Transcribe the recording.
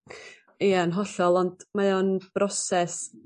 Ia'n hollol ont mae o'n broses